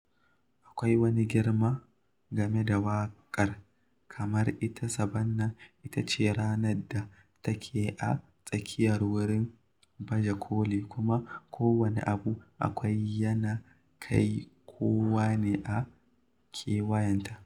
Akwai wani girma game da waƙar: kamar ita Saɓannah ita ce ranar da take a tsakiyar wurin baje-kolin, kuma kowane abu kawai yana kai kawo ne a kewayenta.